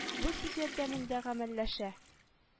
Бу сүз ярдәмендә гамәлләшә